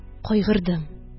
Кайгырдым